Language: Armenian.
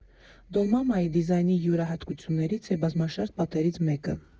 «Դոլմամայի» դիզայնի յուրահատկություններից է բազմաշերտ պատերից մեկը։